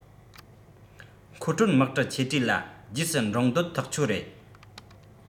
མཁོ སྤྲོད དམག གྲུ ཆེ གྲས ལ རྗེས སུ འབྲངས འདོད ཐག ཆོད རེད